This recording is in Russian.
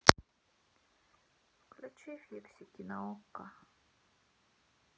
включи фиксики на окко